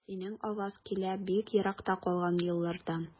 Синең аваз килә бик еракта калган еллардан.